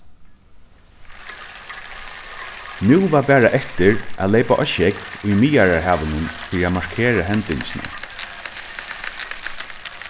nú var bara eftir at leypa á sjógv í miðjarðarhavinum fyri at markera hendingina